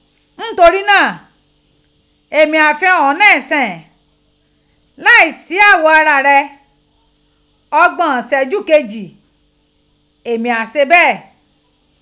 Ntorí náà, emi á fi hàn o nísinín, láìsí aghọ ara rẹ̀, ọgbọ̀n ìṣẹ́jú kejì, emi á se ṣe bẹ́ẹ̀.